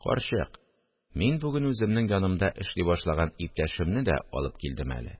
Карчык, мин бүген үземнең янымда эшли башлаган иптәшемне дә алып килдем әле